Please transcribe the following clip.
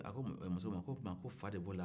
a ko muso ma ko fa de b'o la